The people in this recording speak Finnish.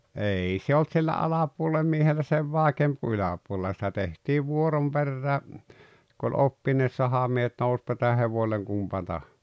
ei se ollut sillä alapuolen miehellä sen vaikeampaa kuin yläpuolella sitä tehtiin vuoron perään kun oli oppineet sahamiehet nousipa sitä hevoselle kumpi -